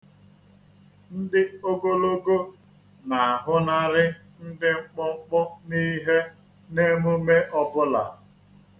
Ndị ogologo na-ahụnarị ndị mkpụmkpụ n'ihe n'emume ọbụla.